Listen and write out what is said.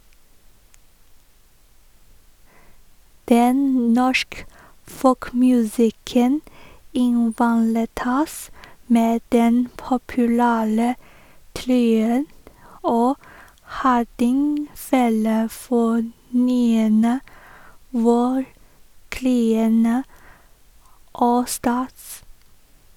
Den norske folkemusikken ivaretas med den populære trioen og hardingfelefornyerne Valkyrien Allstars.